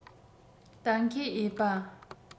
གཏན འཁེལ འོས པ